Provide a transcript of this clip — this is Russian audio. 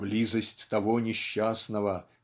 "близость того несчастного